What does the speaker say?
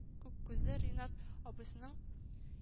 Күк күзле, ренат абыйсының